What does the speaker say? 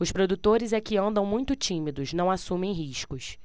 os produtores é que andam muito tímidos não assumem riscos